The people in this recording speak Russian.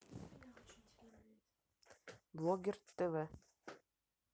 блогер тв